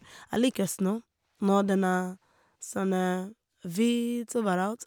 Jeg liker snø når den er sånn hvit overalt.